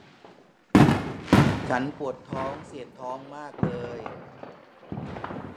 ฉันปวดท้องเสียดท้องมากเลย